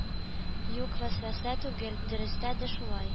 Юк, вәсвәсә түгел, дөрестә дә шулай.